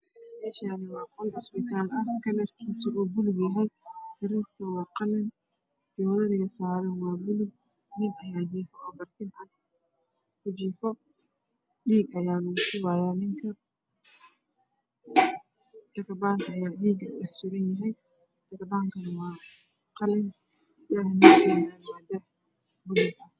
Meshan waa qol isbitaal ah isgoo sariir tu wa aqalin joodariga saaran waa bulug dhiig ayaaa lagu shubayaa